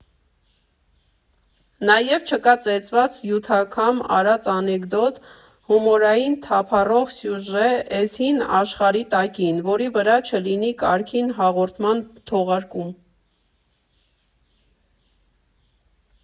Նաև՝ չկա ծեծված, հյութաքամ արած անեկդոտ, հումորային թափառող սյուժե էս հին աշխարհի տակին, որի վրա չլինի կարգին հաղորդման թողարկում։